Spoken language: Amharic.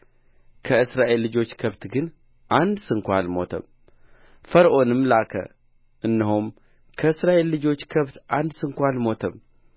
ከእስራኤል ልጆች ከብት ግን አንድ ስንኳ አልሞተም ፈርዖንም ላከ እነሆም ከእስራኤል ልጆች ከብት አንድ ስንኳ አልሞተም